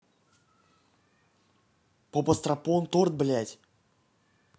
попа страпон торт блядь